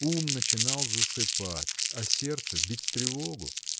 Ум начинал засыпать, а сердце бить тревогу.